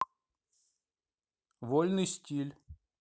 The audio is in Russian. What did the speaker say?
вольный стиль